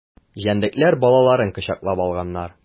Җәнлекләр балаларын кочаклап алганнар.